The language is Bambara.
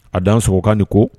A dan sɔrɔkan de ko